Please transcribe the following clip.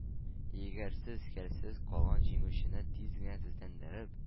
Егәрсез, хәлсез калган җиңүчене тиз генә тезләндереп,